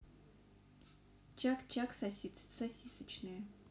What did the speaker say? чак чак сосисочная